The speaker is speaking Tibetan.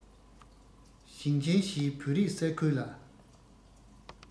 ཞིང ཆེན བཞིའི བོད རིགས ས ཁུལ ལ